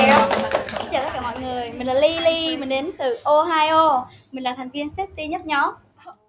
xin chào tất cả mọi người mình là ly ly mình đến từ ô hai ô mình là thành viên sếch xy nhất nhóm